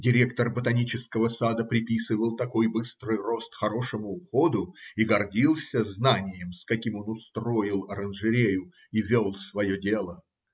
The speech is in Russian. Директор ботанического сада приписывал такой быстрый рост хорошему уходу и гордился знанием, с каким он устроил оранжерею и вел свое дело.